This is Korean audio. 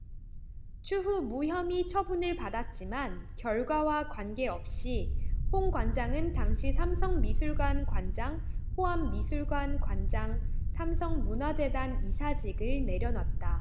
추후 무혐의 처분을 받았지만 결과와 관계없이 홍 관장은 당시 삼성미술관 관장 호암미술관 관장 삼성문화재단 이사직을 내려놨다